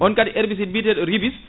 on kadi herbicide biyateɗo ribice